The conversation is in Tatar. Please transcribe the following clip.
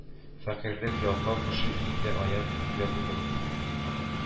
Фәкыйрьлек ялкау кеше өендә аяк бөкләп утыра